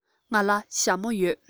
ང ལ ཞྭ མོ ཡོད